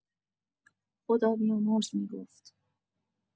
خدابیامرز می‌گفت